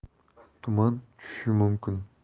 tuman tushishi mumkin